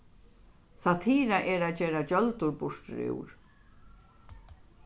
satira er at gera gjøldur burturúr